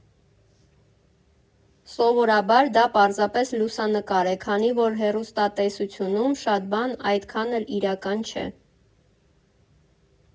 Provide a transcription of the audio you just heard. Սովորաբար դա պարզապես լուսանկար է, քանի որ հեռուստատեսությունում շատ բան այդքան էլ իրական չէ։